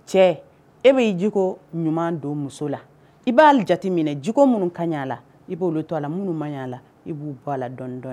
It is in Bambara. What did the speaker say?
Cɛ e bɛ'i jiko ɲuman don muso la i b'a jate minɛ jiko minnu kaɲa la i b' to a la minnu man ɲɛ la i b'u bɔ a la dɔndɔ